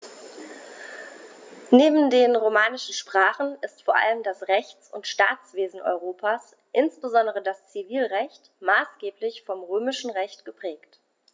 Neben den romanischen Sprachen ist vor allem das Rechts- und Staatswesen Europas, insbesondere das Zivilrecht, maßgeblich vom Römischen Recht geprägt.